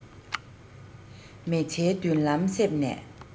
མི ཚེའི མདུན ལམ གསེབ ནས